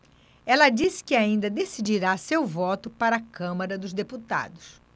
ela disse que ainda decidirá seu voto para a câmara dos deputados